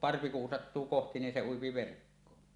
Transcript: parvi kun sattuu kohti niin se ui verkkoon